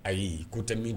Ayi ko tɛ mi